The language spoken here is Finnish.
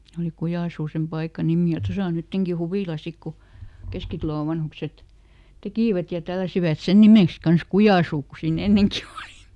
se oli Kujansuu sen paikan nimi ja tuossa on nytkin huvila sitten kun Keskitalon vanhukset tekivät ja tälläsivät sen nimeksi kanssa Kujansuu kun siinä ennenkin oli